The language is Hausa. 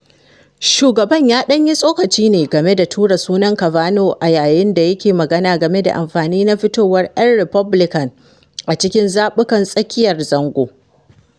Shugaban ya ɗan yi tsokaci ne game da tura sunan Kavanaugh a yayin da yake magana game da amfani na fitowar ‘yan Republican a cikin zaɓuɓɓukan tsakiyar zango.